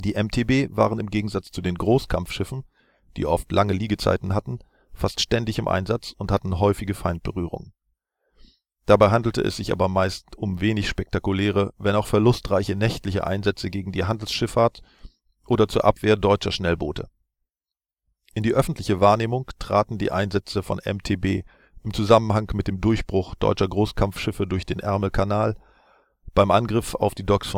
MTB waren im Gegensatz zu den Großkampfschiffen, die oft lange Liegezeiten hatten, fast ständig im Einsatz und hatten häufige Feindberührungen. Dabei handelte es sich aber meist um wenig spektakuläre, wenn auch verlustreiche nächtliche Einsätze gegen die Handelsschifffahrt oder zur Abwehr deutscher Schnellboote. In die öffentliche Wahrnehmung traten die Einsätze von MTB im Zusammenhang mit dem Durchbruch deutscher Großkampfschiffe durch den Ärmelkanal, beim Angriff auf die Docks